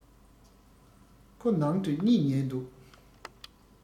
ཁོ ནང དུ གཉིད ཉལ འདུག